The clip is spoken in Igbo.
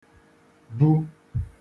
bu